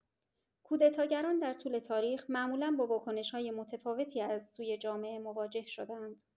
کودتاگران در طول تاریخ معمولا با واکنش‌های متفاوتی از سوی جامعه مواجه شده‌اند.